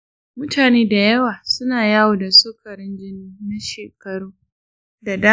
mutane da yawa suna yawo da sukarin jini na shekaru da dama ba tare da sun sani ba.